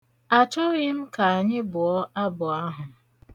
Achọghị m ka anyị bụọ abụ ahụ.